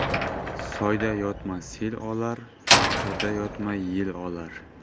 soyda yotma sel olar qirda yotma yel olar